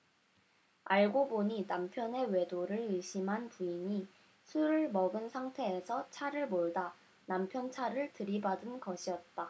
알고 보니 남편의 외도를 의심한 부인이 술을 먹은 상태에서 차를 몰다 남편 차를 들이받은 것이었다